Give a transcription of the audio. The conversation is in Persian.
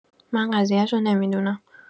من قضیشو نمی‌دونم